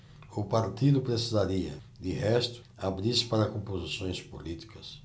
o partido precisaria de resto abrir-se para composições políticas